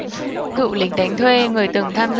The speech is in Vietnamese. cựu lính đánh thuê người từng tham